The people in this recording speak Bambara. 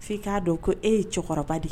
F'i k'a dɔn ko e ye cɛkɔrɔba